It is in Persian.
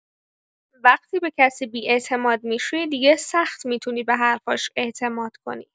وقتی به کسی بی‌اعتماد می‌شی، دیگه سخت می‌تونی به حرفاش اعتماد کنی.